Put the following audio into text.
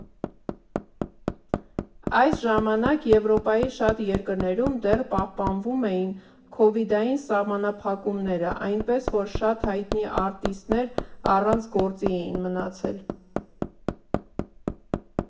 Այս ժամանակ Եվրոպայի շատ երկրներում դեռ պահպանվում էին քովիդային սահմանափակումները, այնպես որ շատ հայտնի արտիստներ առանց գործի էին մնացել։